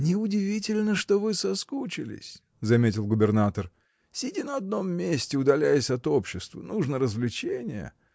— Неудивительно, что вы соскучились, — заметил губернатор, — сидя на одном месте, удаляясь от общества. — Нужно развлечение.